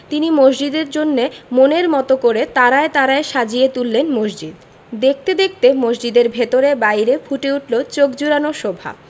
তিনি মসজিদের জন্যে মনের মতো করে তারায় তারায় সাজিয়ে তুললেন মসজিদ দেখতে দেখতে মসজিদের ভেতরে বাইরে ফুটে উঠলো চোখ জুড়োনো শোভা